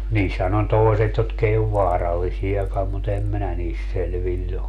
niissähän on toiset jotka ei ole vaarallisiakaan mutta en minä niistä selvillä ole